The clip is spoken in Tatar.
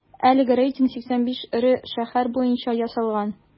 Әлеге рейтинг 85 эре шәһәр буенча ясалган.